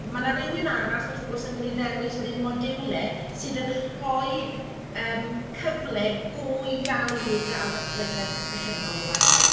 Ma' 'na rywun arall wrth gwrs yn mynd i ddewis wedyn modiwlau sydd yn rhoi yym cyfle go iawn i gael datblygiad proffesiynol parhaus.